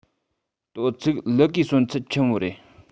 དོ ཚིག ལུ གུའི གསོན ཚད ཆི མོ རེད